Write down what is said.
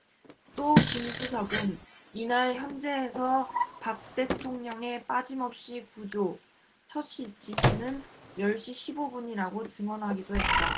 또 김 수석은 이날 헌재에서 박 대통령의 빠짐없이 구조 첫 지시는 열 시 십 오 분이라고 증언하기도 했다